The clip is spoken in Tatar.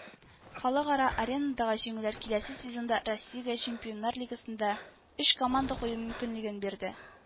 Халыкара аренадагы җиңүләр киләсе сезонда Россиягә Чемпионнар Лигасында өч команда кую мөмкинлеген бирде